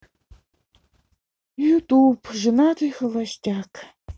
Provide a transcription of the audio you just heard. ютуб женатый холостяк